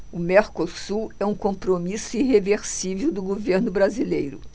o mercosul é um compromisso irreversível do governo brasileiro